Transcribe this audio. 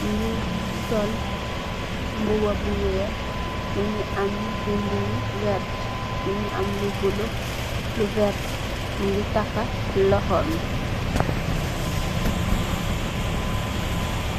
mungy sol mbuba bu wekh, mungy am binda yu vert, mungy am lu bleu, lu vert mungy takah lokhom bii.